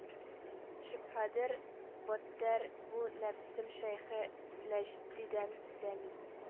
«шөбһәдер: бәдтәр бу нәфсем шэйхе нәҗдидән дәми